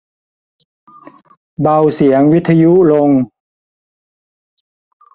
เบาเสียงวิทยุลง